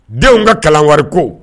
Denw ka kalan wari ko